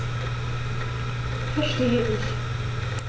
Verstehe nicht.